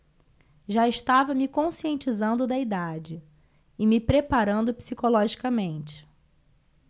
já estava me conscientizando da idade e me preparando psicologicamente